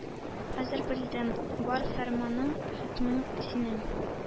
Хәзер белдем, бар фәрманың, хөкмең синең